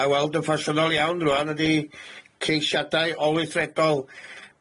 Mae weld yn ffasiynol iawn rŵan ydi ceisiadau olythredol